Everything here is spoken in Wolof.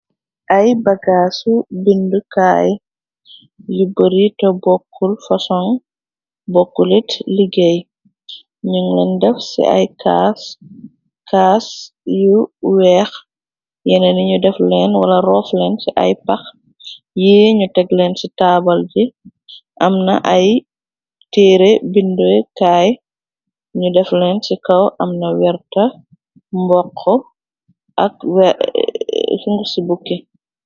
Ay bagaasu bindukaay yu bari te bokkul fasoŋ bokku lit liggéey nun leen def ci ay cas cas yu weex yenee ni ñu def leen wala rotlen ci ay pax yi ñu teg leen ci taabal gi am na ay teere bindukaay ñu def leen ci kaw amna werta mbokx ak suguci bukki.